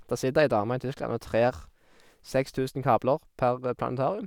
Der sitter ei dame i Tyskland og trer seks tusen kabler per planetarium.